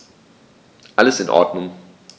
Alles in Ordnung.